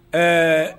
Ɛɛ